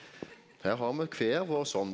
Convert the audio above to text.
her har me kvar vår sånn.